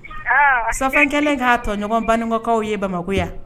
Fɛn kɛlen k'a tɔɲɔgɔn baninɔgɔkaw ye bamakɔ